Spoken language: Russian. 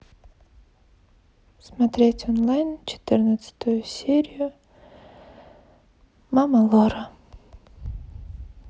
смотреть онлайн четырнадцатую серию мама лора